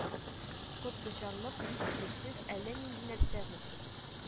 Кот очарлык, бик килешсез, әллә нинди нәрсә бу!